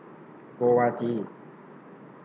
โกวาจี